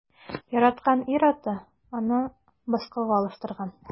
Яраткан ир-аты аны башкага алыштырган.